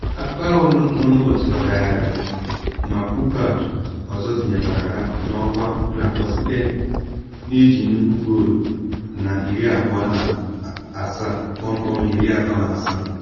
Akụkụ ahụ nọ n’ụlọ chịkọtagharịrị ma Bouchard ọzọ tinyekwara ha n’ọkwa nhakọ site na iji nnukwu goolu na 27:37.